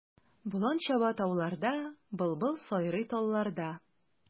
Болан чаба тауларда, былбыл сайрый талларда.